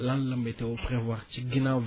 lan la météo prévoir ci ginnaaw